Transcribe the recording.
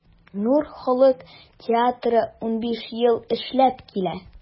“нур” халык театры 15 ел эшләп килә.